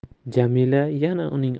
jamila yana uning